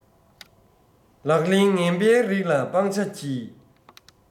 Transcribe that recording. ལག ལེན ངན པའི རིགས ལ སྤང བྱ གྱིས